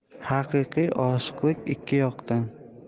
haqiqiy oshiqlik ikki yoqdan